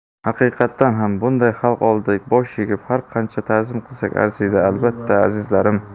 haqiqatan ham bunday xalq oldida bosh egib har qancha ta'zim qilsak arziydi albatta azizlarim